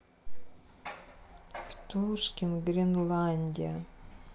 птушкин гренландия